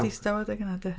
Distaw adeg yna de.